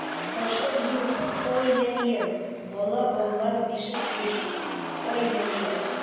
Кашык юк, ай нәнием, Бала баглар бишек юк, ай нәнием.